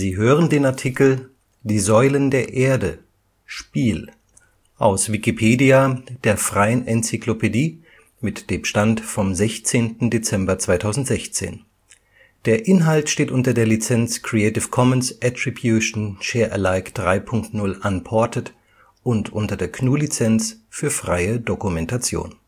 hören den Artikel Die Säulen der Erde (Spiel), aus Wikipedia, der freien Enzyklopädie. Mit dem Stand vom Der Inhalt steht unter der Lizenz Creative Commons Attribution Share Alike 3 Punkt 0 Unported und unter der GNU Lizenz für freie Dokumentation